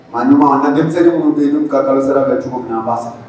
A ɲuman an ka denmisɛnnin minnu bɛ yen n'u ka kalosara kɛ cogo min an ba sara.